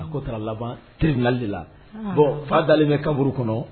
A ko taara laban teelili la bɔn fa dalen bɛ kaburu kɔnɔ